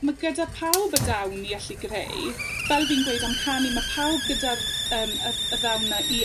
ma' gyda pawb y dawn i allu greu. Fel fi'n gweud am canu, ma' pawb gyda'r yym y y ddawn 'na i